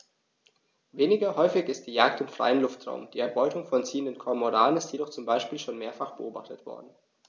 Weniger häufig ist die Jagd im freien Luftraum; die Erbeutung von ziehenden Kormoranen ist jedoch zum Beispiel schon mehrfach beobachtet worden.